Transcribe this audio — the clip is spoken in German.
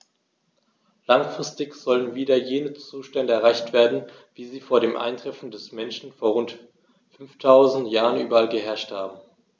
Langfristig sollen wieder jene Zustände erreicht werden, wie sie vor dem Eintreffen des Menschen vor rund 5000 Jahren überall geherrscht haben.